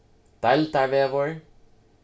deildarvegur